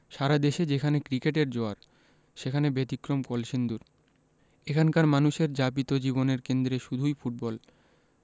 সারা দেশে যেখানে ক্রিকেটের জোয়ার সেখানে ব্যতিক্রম কলসিন্দুর এখানকার মানুষের যাপিত জীবনের কেন্দ্রে শুধুই ফুটবল